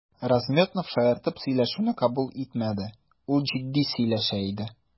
Размётнов шаяртып сөйләшүне кабул итмәде, ул җитди сөйләшә иде.